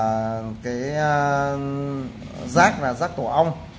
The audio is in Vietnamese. và giác là giác tổ ong